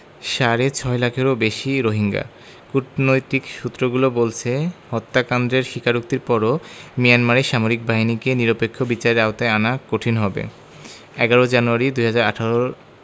সাড়ে ছয় লাখেরও বেশি রোহিঙ্গা কূটনৈতিক সূত্রগুলো বলছে হত্যাকাণ্ডের স্বীকারোক্তির পরও মিয়ানমারের সামরিক বাহিনীকে নিরপেক্ষ বিচারের আওতায় আনা কঠিন হবে ১১ জানুয়ারি ২০১৮